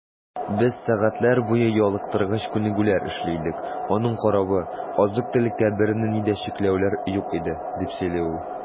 Без сәгатьләр буе ялыктыргыч күнегүләр эшли идек, аның каравы, азык-төлеккә бернинди дә чикләүләр юк иде, - дип сөйли ул.